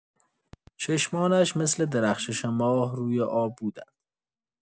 چشمانش مثل درخشش ماه روی آب بودند.